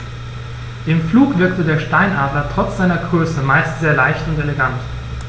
Im Flug wirkt der Steinadler trotz seiner Größe meist sehr leicht und elegant.